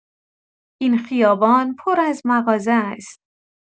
این خیابان پر از مغازه است.